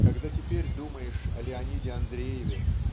Когда теперь думаешь о Леониде Андрееве